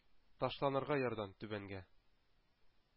Ташланырга ярдан түбәнгә.